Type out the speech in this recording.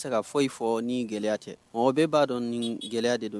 N se ka foyi fɔ ni gɛlɛya cɛ o bɛɛ b'a dɔn nin gɛlɛya de don